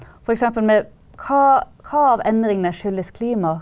f.eks. med hvilke av endringene skyldes klima?